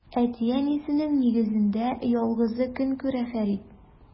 Әти-әнисенең нигезендә ялгызы көн күрә Фәрид.